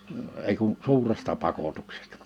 ei kuin suuresta pakotuksesta